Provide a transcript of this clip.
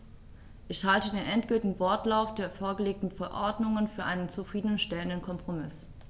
Ich halte den endgültigen Wortlaut der vorgelegten Verordnung für einen zufrieden stellenden Kompromiss.